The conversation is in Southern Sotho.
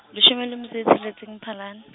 leshome le metso e tsheletseng Mphalane.